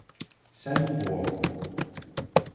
send boð